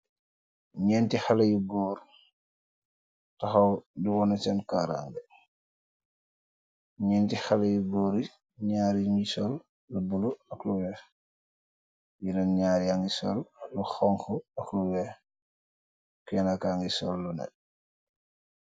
Nenti xale yu goor taxaw di wona seen karange neenti xale yu goori naari nyugi sol lu bulo ak lu week yeneen naari yangi sol lu xonka ak lu weex kenaka ngi sol lunet.